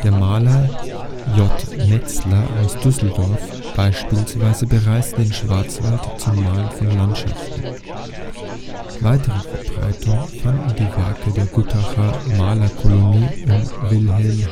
Maler J. Metzler aus Düsseldorf bereiste den Schwarzwald zum Malen von Landschaften. Weite Verbreitung fanden die Werke der Gutacher Malerkolonie um Wilhelm